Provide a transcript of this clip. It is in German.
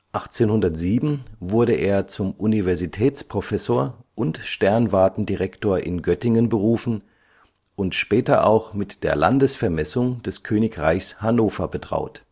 1807 wurde er zum Universitätsprofessor und Sternwartendirektor in Göttingen berufen und später auch mit der Landesvermessung des Königreichs Hannover betraut